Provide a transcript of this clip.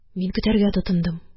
Мин көтәргә тотындым